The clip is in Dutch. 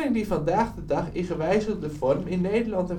die vandaag de dag - in gewijzigde vorm - in Nederland